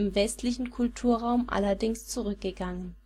westlichen Kulturraum allerdings zurückgegangen